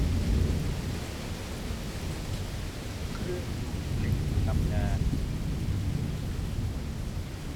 เครื่องดูดกลิ่นทำงาน